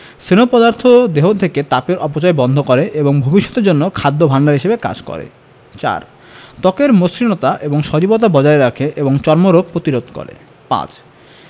স্নেহ পদার্থ দেহ থেকে তাপের অপচয় বন্ধ করে এবং ভবিষ্যতের জন্য খাদ্য ভাণ্ডার হিসেবে কাজ করে ৪. ত্বকের মসৃণতা এবং সজীবতা বজায় রাখে এবং চর্মরোগ প্রতিরোধ করে ৫